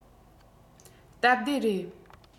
སྟབས བདེ རེད